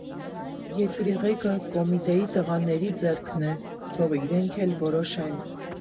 Երկրի ղեկը Կոմիտեի տղաների ձեռքն է, թող իրենք էլ որոշեն։